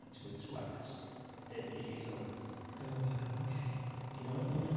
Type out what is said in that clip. and it's going to be two acts, ac o'n i'n deud hyn i gyd iddyn nhw, ac oeddwn nhw fatha, OK yeah, do you know any poets?